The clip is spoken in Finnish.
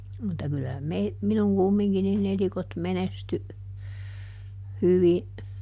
mutta kyllä - minun kumminkin niin elikot menestyi hyvin